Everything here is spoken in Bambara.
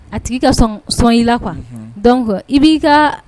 A tigi ka sɔn i la kuwa dɔn i b'i ka